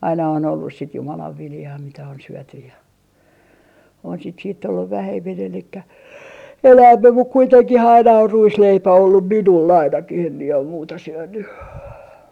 aina on ollut sitten Jumalan viljaa mitä on syöty ja on sitä sitten ollut vähemmin eli enemmän mutta kuitenkin aina on ruisleipä ollut minulla ainakin en minä ole muuta syönyt